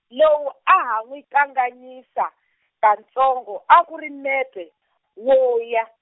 lowu a ha n'wi kanganyisa , katsongo a ku ri mepe, wo ya.